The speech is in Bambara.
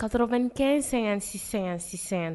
Katoinkɛ sɛgɛn sisan sisan